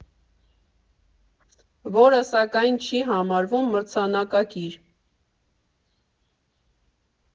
Որը, սակայն, չի համարվում մրցանակակիր։